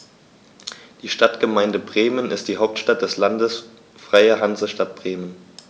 Die Stadtgemeinde Bremen ist die Hauptstadt des Landes Freie Hansestadt Bremen.